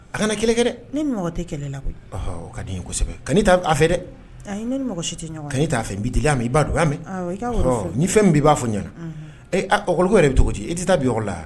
A kana kɛlɛkɛ dɛ kɛlɛ la ka disɛbɛ ka a fɛ dɛ a ka'a fɛ n' deli ma i b'a don a mɛn mɛ ni fɛn min b' b'a fɔ ɲɛna ɛgolo yɛrɛ bɛ cogo di i tɛ taa bin yɔrɔ la